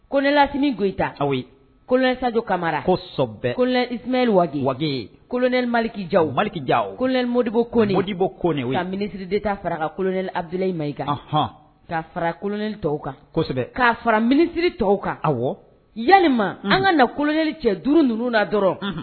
Koɛlasmi gyita aw ye kolonsajɔ kamara ko sɔbɛ koɛinaliye kolonɛmaki ja baliki ja kolɛ modibɔ ko odibɔ koɛ o ka minisiri deta fara ka kolonɛla abula ma i kan ahɔn ka fara kolonɛ tɔw kan kosɛbɛ k'a fara minisiriri tɔw kan a ya an ka na kolonɛli cɛ duuru ninnu na dɔrɔn